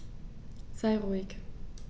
Sei ruhig.